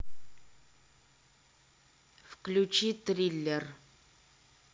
включи триллер